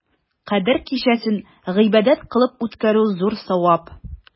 Кадер кичәсен гыйбадәт кылып үткәрү зур савап.